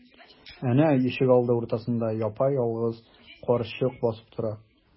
Әнә, ишегалды уртасында япа-ялгыз карчык басып тора.